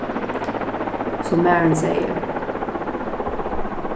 sum maðurin segði